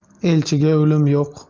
elchiga o'lim yo'q